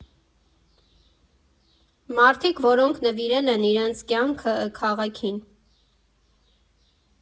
Մարդիկ, որոնք նվիրել են իրենց կյանքը քաղաքին։